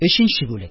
Өченче бүлек